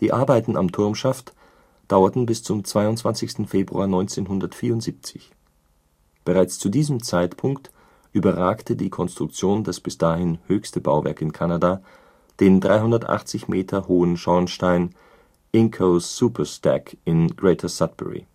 Arbeiten am Turmschaft dauerten bis zum 22. Februar 1974. Bereits zu diesem Zeitpunkt überragte die Konstruktion das bis dahin höchste Bauwerk in Kanada, den 380 Meter hohen Schornstein Inco Superstack in Greater